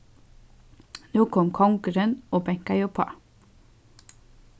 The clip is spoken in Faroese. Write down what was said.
nú kom kongurin og bankaði uppá